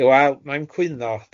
De wel, nai'm cwyno.